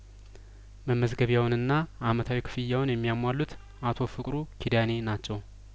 መመዝገቢያውንና አመታዊ ክፍያውን የሚያሟሉት አቶ ፍቅሩ ኪዳኔ ናቸው